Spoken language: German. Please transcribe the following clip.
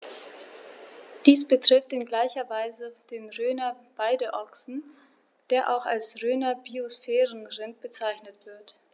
Dies betrifft in gleicher Weise den Rhöner Weideochsen, der auch als Rhöner Biosphärenrind bezeichnet wird.